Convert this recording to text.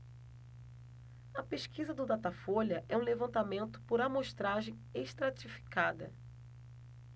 a pesquisa do datafolha é um levantamento por amostragem estratificada